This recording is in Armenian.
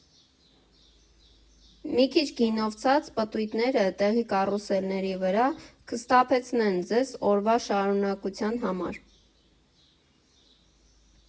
Մի քիչ գինովցած պտույտները տեղի կարուսելների վրա կսթափեցնեն ձեզ օրվա շարունակության համար։